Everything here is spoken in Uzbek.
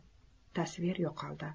tasvir yo'qoldi